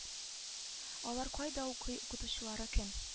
Алар кайда укый укытучылары кем